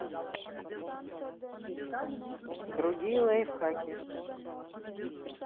другие лайфхаки